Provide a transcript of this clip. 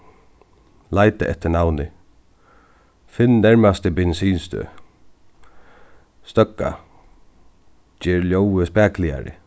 leita eftir navni finn nærmastu bensinstøð støðga ger ljóðið spakuligari